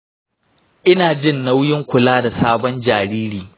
ina jin nauyin kula da sabon jariri.